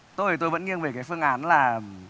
tôi thì tôi vẫn nghiêng về cái phương án là